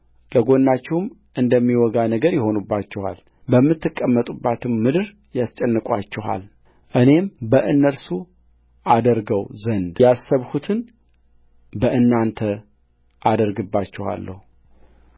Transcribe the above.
ለጎናችሁም እንደሚወጋ ነገር ይሆኑባችኋል በምትቀመጡባትም ምድር ያስጨንቁአችኋልእኔም በእነርሱ አደርገው ዘንድ ያሰብሁትን በእናንተ አደርግባችኋለሁ